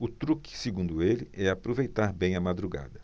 o truque segundo ele é aproveitar bem a madrugada